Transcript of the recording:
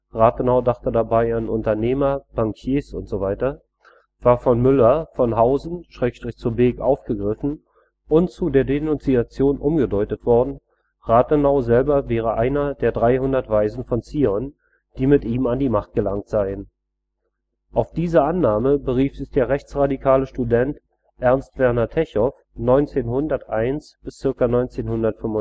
Rathenau dachte dabei an Unternehmer, Bankiers, usw. – war von Müller von Hausen/zur Beek aufgegriffen und zu der Denunziation umgedeutet worden, Rathenau selber wäre einer der „ 300 Weisen von Zion “, die mit ihm an die Macht gelangt seien. Auf diese Annahme berief sich der rechtsradikale Student Ernst Werner Techow (1901 – ca. 1945